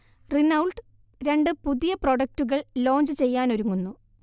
Renault രണ്ട് പുതിയ പ്രൊഡക്ടുകൾ ലോഞ്ച് ചെയ്യാനൊരുങ്ങുന്നു